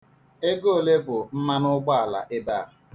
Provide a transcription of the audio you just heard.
Ego ole bụ mmanụụgbaala ebe a.